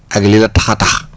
ak li la tax a tax